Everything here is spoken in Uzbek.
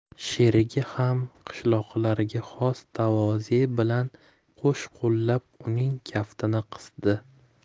sherigi ham qishloqilarga xos tavoze bilan qo'sh qo'llab uning kaftini qisdi